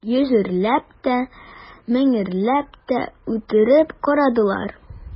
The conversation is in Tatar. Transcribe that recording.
Йөзәрләп тә, меңәрләп тә үтереп карадылар.